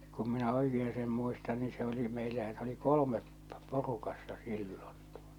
kun minä oikein sen muistan niin se oli meillä ja se oli kolme porukassa silloin -